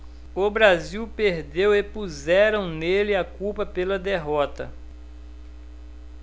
o brasil perdeu e puseram nele a culpa pela derrota